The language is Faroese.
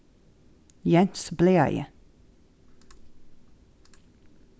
jens blaðaði